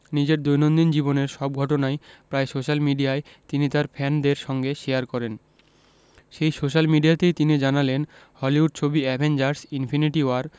নিজের দৈনন্দিন জীবনের সব ঘটনাই প্রায় সোশ্যাল মিডিয়ায় তিনি তার ফ্যানেদের সঙ্গে শেয়ার করেন সেই সোশ্যাল মিডিয়াতেই তিনি জানালেন হলিউড ছবি অ্যাভেঞ্জার্স ইনফিনিটি ওয়ার